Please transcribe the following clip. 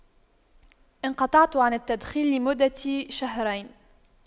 انقطعت عن التدخين لمدة شهرين